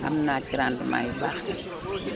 am naa ci rendement yu baax kay